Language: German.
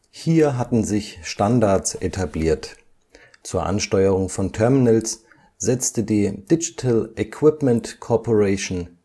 Hier hatten sich Standards etabliert, zur Ansteuerung von Terminals setzte die Digital Equipment Corporation